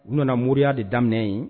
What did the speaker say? U nana moriya de daminɛ yen